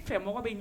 Cɛ bɛ